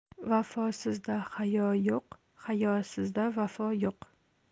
vafosizda hayo yo'q hayosizda vafo yo'q